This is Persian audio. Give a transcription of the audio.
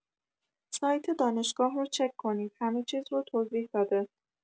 سایت دانشگاه رو چک کنید همه چیز رو توضیح داده